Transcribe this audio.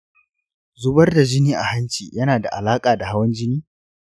zubar da jini a hanci yana da alaƙa da hawan jini?